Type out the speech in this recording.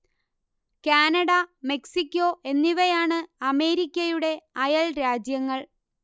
Canada Mexico എന്നിവയാണ് അമേരിക്കയുടെ അയൽ രാജ്യങ്ങൾ